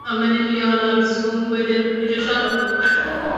y manilion a'r Zoom wedyn fi jys siarad.